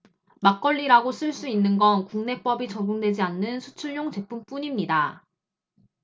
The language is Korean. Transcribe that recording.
막걸리라고 쓸 수 있는 건 국내법이 적용되지 않는 수출용 제품뿐 입니다